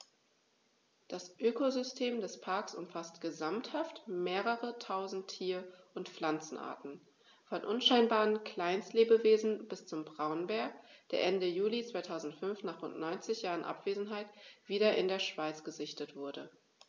Das Ökosystem des Parks umfasst gesamthaft mehrere tausend Tier- und Pflanzenarten, von unscheinbaren Kleinstlebewesen bis zum Braunbär, der Ende Juli 2005, nach rund 90 Jahren Abwesenheit, wieder in der Schweiz gesichtet wurde.